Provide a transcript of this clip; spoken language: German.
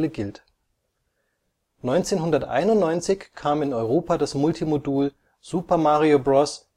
gilt. 1991 kam in Europa das Multimodul Super Mario Bros